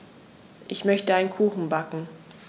Ich möchte einen Kuchen backen.